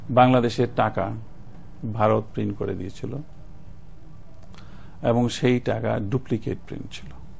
বাংলাদেশের টাকা ভারত প্রিন্ট করে দিয়েছিল এবং সেই টাকা ডুপ্লিকেট প্রিন্ট ছিল